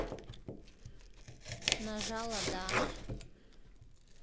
нажала да